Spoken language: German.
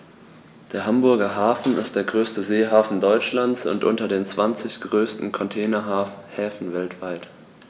Der Hamburger Hafen ist der größte Seehafen Deutschlands und unter den zwanzig größten Containerhäfen weltweit.